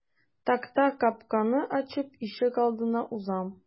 Такта капканы ачып ишегалдына узам.